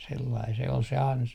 sellainen se oli se ansa